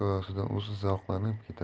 o'zi zavqlanib ketadi